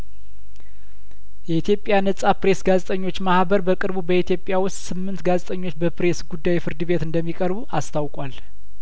የኢትዮጵያ ነጻ ፕሬስ ጋዜጠኞች ማህበር በቅርቡ በኢትዮጵያ ውስጥ ስምንት ጋዜጠኞች በፕሬስ ጉዳይ ፍርድ ቤት እንደሚቀርቡ አስታውቋል